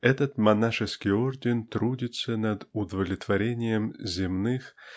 этот монашеский орден трудится над удовлетворением земных